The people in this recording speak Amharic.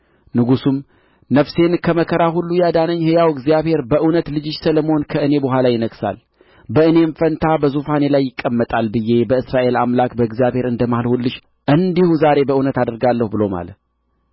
ንጉሡም ነፍሴን ከመከራ ሁሉ ያዳነኝ ሕያው እግዚአብሔርን በእውነት ልጅሽ ሰሎሞን ከእኔ በኋላ ይነግሣል በእኔም ፋንታ በዙፋኔ ላይ ይቀመጣል ብዬ በእስራኤል አምላክ በእግዚአብሔር እንደ ማልሁልሽ እንዲሁ ዛሬ በእውነት አደርጋለሁ ብሎ ማለ